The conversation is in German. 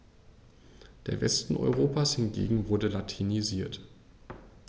Der Westen Europas hingegen wurde latinisiert.